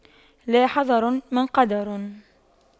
لا حذر من قدر